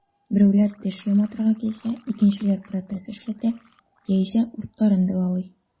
Берәүләр теш яматырга килсә, икенчеләр протез эшләтә яисә уртларын дәвалый.